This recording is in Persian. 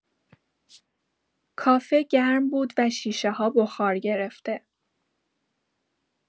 کافه گرم بود و شیشه‌ها بخار گرفته.